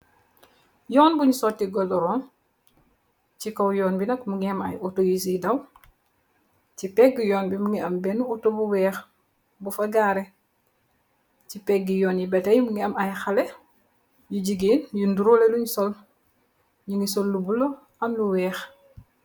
Yoon bunj sooti godoro, ci kaw yoon bi nak, mingi am ay ooto yu si daw, ci pegge yoon bi mingi am benne ooto bu weex, bu fa ngaare, ci pegge yoon yi be tay, mingi am ay xale yu jigeen yu ndorule lunj sol, nyu ngi sol lu bula am lu weex.